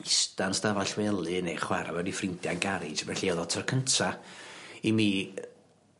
ista'n stafall wely neu chwara efo 'i ffrindia'n garyj felly o'dd o to'r cynta i mi yy